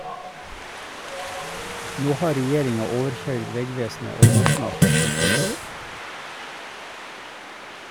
Nå har regjeringa overkøyrd vegvesenet og opna for skiferbrot.